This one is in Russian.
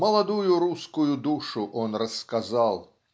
Молодую русскую душу он рассказал.